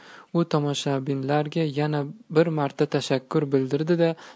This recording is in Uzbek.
u tomoshabinlarga yana bir marta tashakkur bildirdi da